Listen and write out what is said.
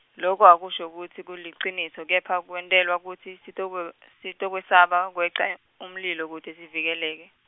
loku akusho kutsi kuliciniso kepha kwentelwa kutsi sitokwe- sitokwesaba, kweca, umlilo kute sivikeleke.